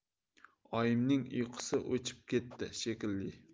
oyimning uyqusi o'chib ketdi shekilli